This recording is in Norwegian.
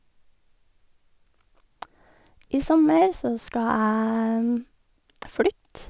I sommer så skal jeg flytte.